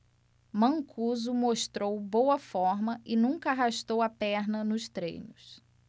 mancuso mostrou boa forma e nunca arrastou a perna nos treinos